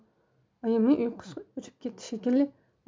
oyimning uyqusi o'chib ketdi shekilli